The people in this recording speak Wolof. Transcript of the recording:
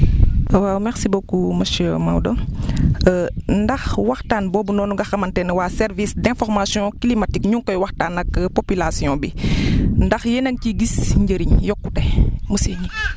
waaw merci beaucoup monsieur Maodo ndax waxtaan boobu noonu nga xamante ne waa service d' information climatique ñu ngi koy waxtaan ak popolation bi ndax yéen a ngi ciy gis njëriñ yokkute monsieur Ngingue